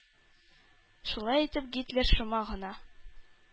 Шулай итеп Гитлер шома гына